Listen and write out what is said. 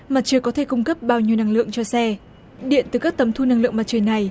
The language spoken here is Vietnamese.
mặt trời có thể cung cấp bao nhiêu năng lượng cho xe điện từ các tấm thu năng lượng mặt trời này